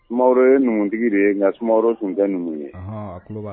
Sumaworo ye numutigi de ye nka sumaworo tun tɛ numu ye